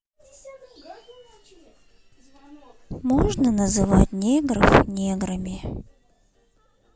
можно называть негров неграми